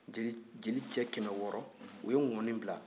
jeli cɛ kɛmɛ wɔɔrɔ u ye ngɔni bila